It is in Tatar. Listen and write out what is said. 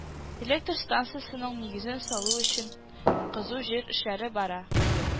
Электр станцасының нигезен салу өчен кызу җир эшләре бара